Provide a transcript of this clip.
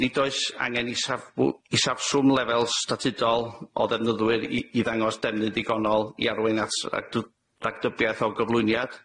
Nid oes angen i isafbw- isafswm lefel statudol o ddefnyddwyr i i ddangos defnydd digonol i arwain at ragdy- ragdybiaeth o gyflwyniad.